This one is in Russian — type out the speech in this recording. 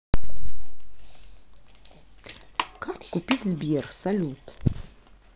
как купить сбер салют